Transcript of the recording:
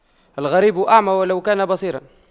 الغريب أعمى ولو كان بصيراً